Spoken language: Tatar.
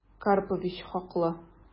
Карпович хаклы...